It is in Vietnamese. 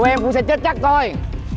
tụi em cũng sẽ chết chắc thôi